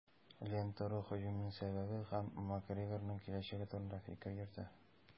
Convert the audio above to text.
"лента.ру" һөҗүмнең сәбәбе һәм макгрегорның киләчәге турында фикер йөртә.